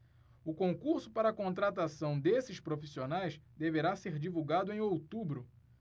o concurso para contratação desses profissionais deverá ser divulgado em outubro